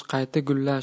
qayta gullash